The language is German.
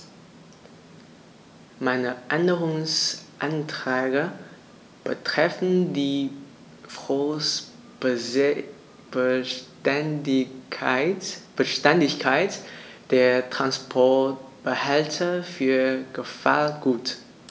Meine Änderungsanträge betreffen die Frostbeständigkeit der Transportbehälter für Gefahrgut.